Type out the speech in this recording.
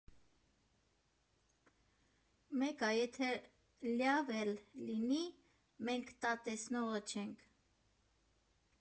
֊ Մեկա, եթե լյավ էլ լինի, մենք տա տեսնողը չենք։